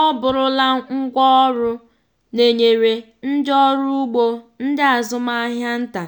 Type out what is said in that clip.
Ọ bụrụla ngwaọrụ na-enyere, ndị ọrụugbo, ndị azụmahịa nta